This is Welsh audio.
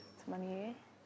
'Ma ni.